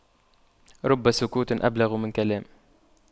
رب سكوت أبلغ من كلام